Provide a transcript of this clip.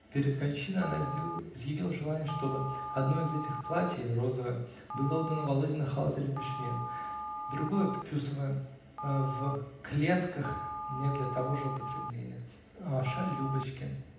Перед кончиной она изъявила желание, чтобы одно из этих платий -- розовое -- было отдано Володе на халат или бешмет, другое -- пюсовое, в клетках -- мне для того же употребления а шаль -- Любочке.